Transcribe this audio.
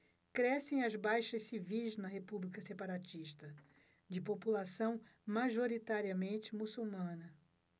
crescem as baixas civis na república separatista de população majoritariamente muçulmana